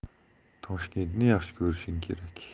toshkentni yaxshi ko'rishing kerak